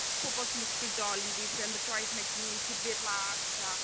pobol sy'n ysbrydoli fi falle ambell waith nâi tynnu llyfyr mas a